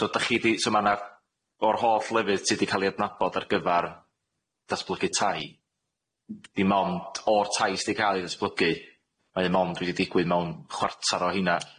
So dach chi di so ma' na'r o'r holl lefydd sydd di ca'l 'i adnabod ar gyfar datblygu tai dim ond o'r tai sy di ca'l i ddatblygu mae o mond wedi digwydd mewn chwarter o heina.